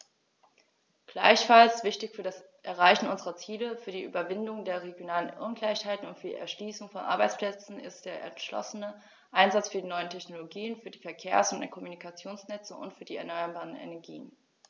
Gleichfalls wichtig für das Erreichen unserer Ziele, für die Überwindung der regionalen Ungleichheiten und für die Erschließung von Arbeitsplätzen ist der entschlossene Einsatz für die neuen Technologien, für die Verkehrs- und Kommunikationsnetze und für die erneuerbaren Energien.